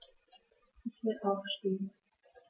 Ich will aufstehen.